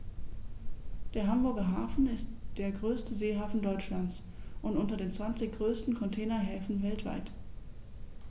Der Hamburger Hafen ist der größte Seehafen Deutschlands und unter den zwanzig größten Containerhäfen weltweit.